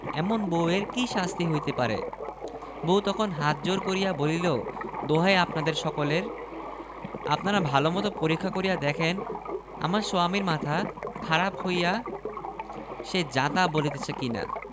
খোদার কি কুদরত এই মাছের কিছুটা ভাজা করিবে আর কিছুটা তরকারি করিবে অনেকদিন মাছ ভাত খাই না আজ পেট ভরিয়া মাছ ভাত খাইব